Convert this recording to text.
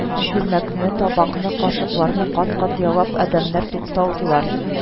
Чүлмәкне, табакны, кашыкларны кат-кат ялап, адәмнәр тукталдылар